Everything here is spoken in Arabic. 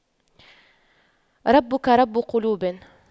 ربك رب قلوب